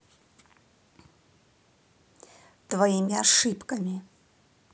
твоими ошибками